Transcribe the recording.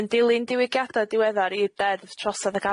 Yn dilyn diwygiada diweddar i'r deddf trosedd ag